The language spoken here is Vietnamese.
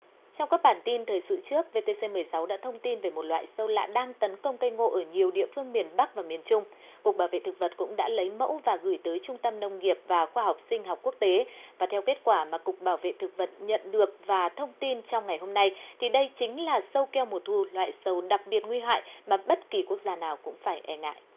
trong các bản tin thời sự trước vê tê xê mười sáu đã thông tin về một loại sâu lạ đang tấn công cây ngô ở nhiều địa phương miền bắc và miền trung cục bảo vệ thực vật cũng đã lấy mẫu và gửi tới trung tâm nông nghiệp và khoa học sinh học quốc tế và theo kết quả mà cục bảo vệ thực vật nhận được và thông tin trong ngày hôm nay thì đây chính là sâu keo mùa thu loại sâu đặc biệt nguy hại mà bất kỳ quốc gia nào cũng phải e ngại